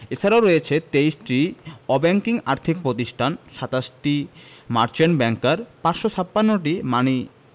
এছাড়াও রয়েছে ২৩টি অব্যাংকিং আর্থিক প্রতিষ্ঠান ২৭টি মার্চেন্ট ব্যাংকার ৫৫৬টি মানি